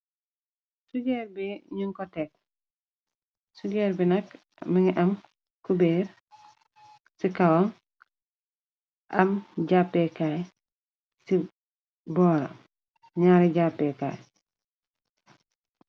Sugeer bi ñun ko tek sugeer bi nakk. mingi am cubeer ci kawam. Am jàppekaay ci boora ñaari jàppekaay.